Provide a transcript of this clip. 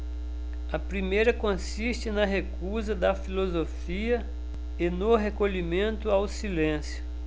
a primeira consiste na recusa da filosofia e no recolhimento ao silêncio